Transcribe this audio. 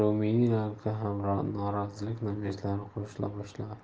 boshqa ruminiyaliklar ham norozilik namoyishlariga qo'shila boshladi